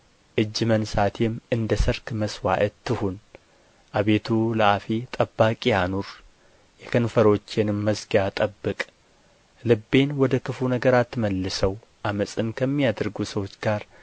እጅ መንሣቴም እንደ ሠርክ መሥዋዕት ትሁን አቤቱ ለአፌ ጠባቂ አኑር የከንፈሮቼንም መዝጊያ ጠብቅ ልቤን ወደ ክፉ ነገር አትመልሰው ዓመፃን ከሚያደርጉ ሰዎች ጋር